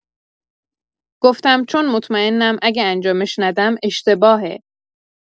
گفتم: «چون مطمئنم اگه انجامش ندم، اشتباهه.»